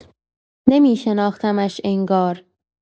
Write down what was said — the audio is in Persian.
نمی‌شناخته‌امش انگار.